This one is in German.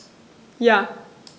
Ja.